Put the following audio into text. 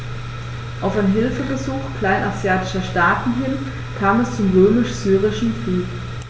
Auf ein Hilfegesuch kleinasiatischer Staaten hin kam es zum Römisch-Syrischen Krieg.